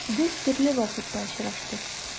Без төрле вакытта очраштык.